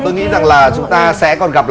tôi nghĩ rằng là chúng ta sẽ còn gặp